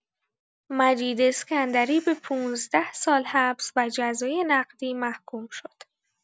مجید اسکندری به ۱۵ سال حبس و جزای نقدی محکوم شد.